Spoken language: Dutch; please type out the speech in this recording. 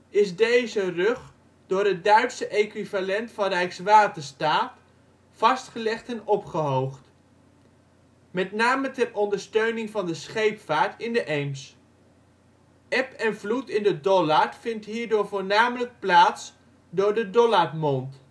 is deze rug door het Duitse equivalent van Rijkswaterstaat (Wasserbauverwaltung) vastgelegd en opgehoogd, met name ter ondersteuning van de scheepvaart in de Eems. Eb en vloed in de Dollard vind hierdoor voornamelijk plaats door de Dollardmond